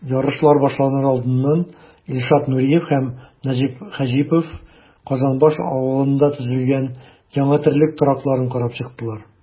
Ярышлар башланыр алдыннан Илшат Нуриев һәм Нәҗип Хаҗипов Казанбаш авылында төзелгән яңа терлек торакларын карап чыктылар.